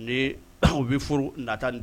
Ni u bɛ furu nata n'